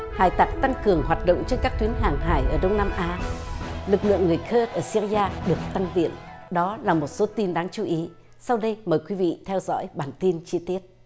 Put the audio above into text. hải tặc tăng cường hoạt động trên các tuyến hàng hải ở đông nam á lực lượng người cớt ở siêng da được tăng diện đó là một số tin đáng chú ý sau đây mời quý vị theo dõi bản tin chi tiết